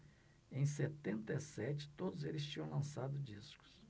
em setenta e sete todos eles tinham lançado discos